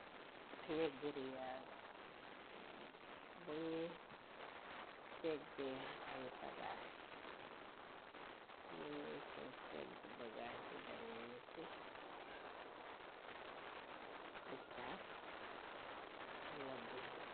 Panyegiriyaas buñuy seggee ay bagaas man nañ sa segg bagaas yu damee niki bisap wala buye.